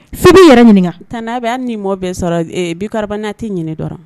Fɛ bɛ yɛrɛ min kan tan'a bɛ hali ni mɔ bɛɛ sɔrɔ biban n'a tɛ ɲini dɔrɔn